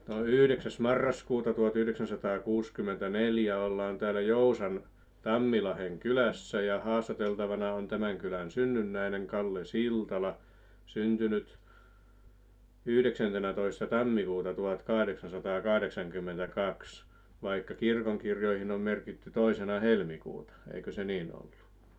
nyt on yhdeksäs marraskuuta tuhatyhdeksänsataakuusikymmentäneljä ollaan täällä Joutsan Tammilahden kylässä ja haastateltavana on tämän kylän synnynnäinen Kalle Siltala syntynyt yhdeksäntenätoista tammikuuta tuhatkahdeksansataakahdeksankymmentäkaksi vaikka kirkonkirjoihin on merkitty toisena helmikuuta eikä se niin ollut